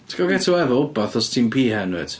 Ti'n cael get away efo rywbath os ti'n peahen wyt?